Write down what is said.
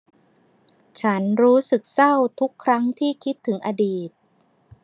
ฉันรู้สึกเศร้าทุกครั้งที่คิดถึงอดีต